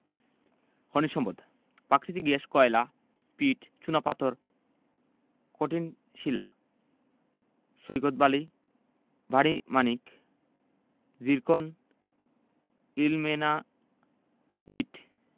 খনিজ সম্পদঃ প্রাকৃতিক গ্যাস কয়লা পিট চুনাপাথর কঠিন শিলা সৈকত বালি ভারি মণিক জিরকন ইলমেনাইট